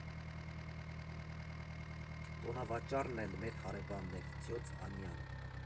Տոմսավաճառն էլ մեր հարևանն էր՝ ծյոծ Անյան։